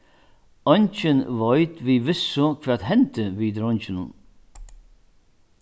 eingin veit við vissu hvat hendi við dreinginum